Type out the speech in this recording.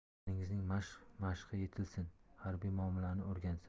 jiyaningizning mashqi yetilsin harbiy muomalani o'rgansin